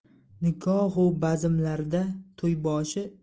nikohu bazmlarda to'yboshi